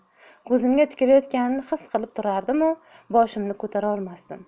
ko'zimga tikilayotganini his qilib turardimu boshimni ko'tarolmasdim